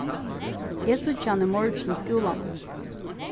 eg síggi hana í morgin í skúlanum